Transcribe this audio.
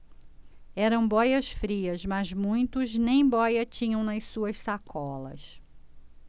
eram bóias-frias mas muitos nem bóia tinham nas suas sacolas